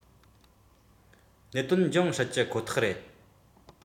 ཐོན ཐུབ ངེས ཡིན